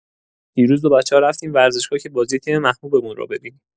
دیروز با بچه‌ها رفتیم ورزشگاه که بازی تیم محبوبمون رو ببینیم.